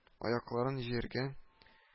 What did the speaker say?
Аякларын җиргә